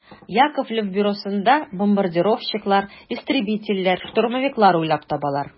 Яковлев бюросында бомбардировщиклар, истребительләр, штурмовиклар уйлап табалар.